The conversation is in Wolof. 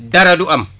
dara du am